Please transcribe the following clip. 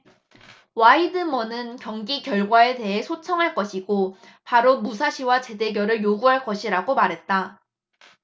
와이드먼은 경기 결과에 대해 소청할 것이고 바로 무사시와 재대결을 요구할 것이라고 말했다